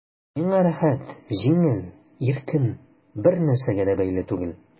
Миңа рәхәт, җиңел, иркен, бернәрсәгә дә бәйле түгел...